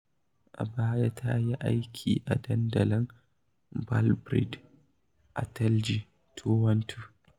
A baya, ta yi aiki a dandalin Belgrade, Atelje 212.